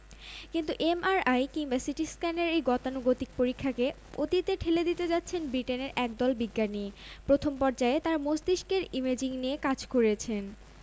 কিন্তু এমআরআই কিংবা সিটিস্ক্যানের এই গতানুগতিক পরীক্ষাকে অতীতে ঠেলে দিতে যাচ্ছেন ব্রিটেনের একদল বিজ্ঞানী প্রথম পর্যায়ে তারা মস্তিষ্কের ইমেজিং নিয়ে কাজ করেছেন